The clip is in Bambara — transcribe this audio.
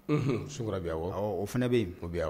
Un sunkurabi yan wa o fana bɛ yen obi yan